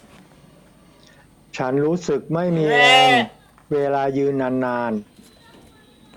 ฉันรู้สึกไม่มีแรงเวลายืนนานนาน